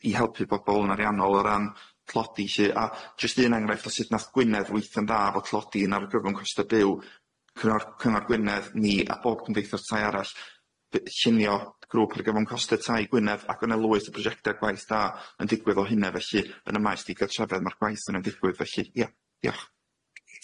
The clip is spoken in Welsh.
i helpu bobol yn ariannol o ran tlodi lly a jyst un enghraifft o sut nath Gwynedd weithio'n dda fo tlodi yn argyfwng costa buw cyngor cyngor Gwynedd ni a bob cymdeithas tai arall f- llunio grŵp ar gyfwng costa tai Gwynedd ac yn elwys y prosiecte gwaith da yn digwydd o hynne felly yn y maes di gartrefedd ma'r gwaith yn yn ddigwydd felly ie diolch.